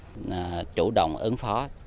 là chủ động ứng phó